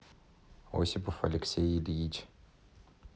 осипов алексей ильич